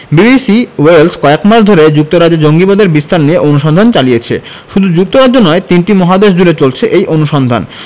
BBC Wales কয়েক মাস ধরে যুক্তরাজ্যে জঙ্গিবাদের বিস্তার নিয়ে অনুসন্ধান চালিয়েছে শুধু যুক্তরাজ্য নয় তিনটি মহাদেশজুড়ে চলেছে এই অনুসন্ধান